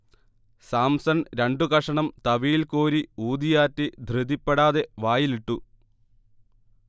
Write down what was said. സാംസൺ രണ്ടു കഷണം തവിയിൽ കോരി ഊതിയാറ്റി ധൃതിപ്പെടാതെ വായിലിട്ടു